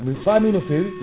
mi faami no feewi